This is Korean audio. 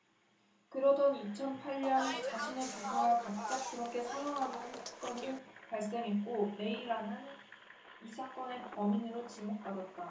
그러던 이천 팔 년 자신의 조카가 갑작스럽게 사망하는 사건이 발생했고 메이라는 이 사건의 범인으로 지목받았다